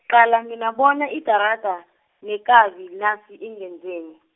qala mina bona idarada, nekabi nasi ingenzeni.